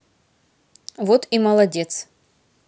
вот и молодец